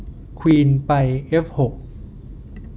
ควีนไปเอฟหก